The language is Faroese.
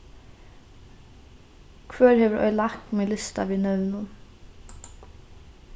hvør hevur oyðilagt mín lista við nøvnum